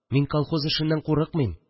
Мин колхоз эшеннән курыкмыйм